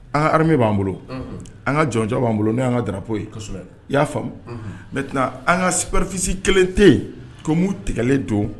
An ka hame b'an bolo an ka jɔncɛ b'an bolo n' y'an ka dabu ye i y'a faamu n bɛ an kapfisi kelen tɛ yen ko' tigɛlen don